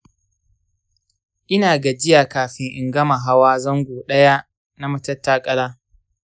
ina gajiya kafin in gama hawa zango ɗaya na matattakala